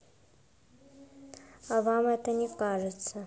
а вам это не кажется